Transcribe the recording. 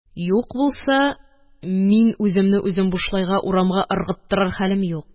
Юк булса, мин үземне үзем бушлайга урамга ыргыттырыр хәлем юк